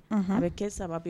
A bɛ kɛ saba